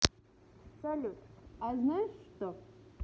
салют а знаешь что